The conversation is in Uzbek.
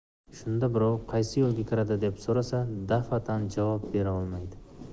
shunda birov qaysi yo'lga kiradi deb surasa daf'atan javob bera olmaydi